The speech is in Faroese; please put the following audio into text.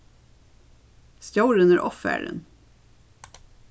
stjórin er ovfarin